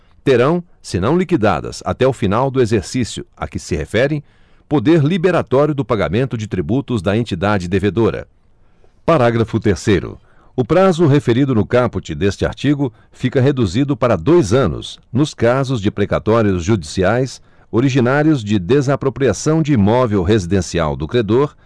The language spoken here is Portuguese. terão se não liquidadas até o final do exercício a que se referem poder liberatório do pagamento de tributos da entidade devedora parágrafo terceiro o prazo referido no caput deste artigo fica reduzido para dois anos nos casos de precatórios judiciais originários de desapropriação de imóvel residencial do credor